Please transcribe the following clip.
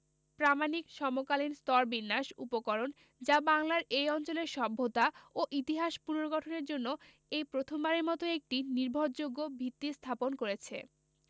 প্রামাণিক সমকালীন স্তরবিন্যাস উপকরণ যা বাংলার এই অঞ্চলের সভ্যতা ও ইতিহাস পুনর্গঠনের জন্য এই প্রথমবারের মত একটি নির্ভরযোগ্য ভিত্তি স্থাপন করেছে